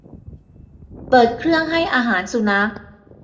เปิดเครื่องให้อาหารสุนัข